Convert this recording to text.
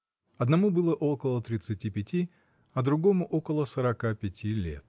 Одному было около тридцати пяти, а другому около сорока пяти лет.